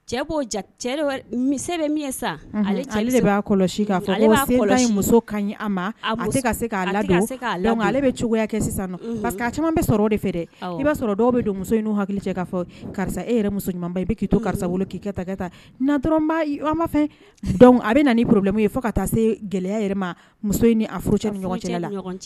' kɔlɔsi muso ka ma ale caman bɛ sɔrɔ de fɛ dɛ i b'a sɔrɔ dɔw bɛ don muso in n' hakili cɛ' fɔ karisa e muso ɲuman i bɛ'i to karisa k'i taa fɛ a bɛ na porobilɛmu ye fo ka taa se gɛlɛya yɛrɛ ma muso